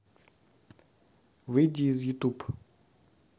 выйди из ютуб